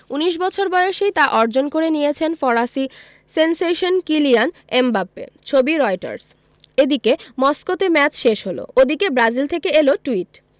১৯ বছর বয়সেই তা অর্জন করে নিয়েছেন ফরাসি সেনসেশন কিলিয়ান এমবাপ্পে ছবি রয়টার্স এদিকে মস্কোতে ম্যাচ শেষ হলো ওদিকে ব্রাজিল থেকে এল টুইট